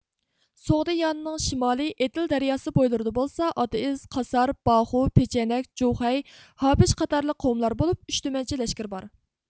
سوغدىيانىنىڭ شىمالى ئېتىل دەرياسى بويلىرىدا بولسا ئاتېئىز قاسار باخۇ پېچەنەك جۇخەي ھابېچقاتارلىق قوۋملار بولۇپ ئۈچ تۈمەنچە لەشكىرى بار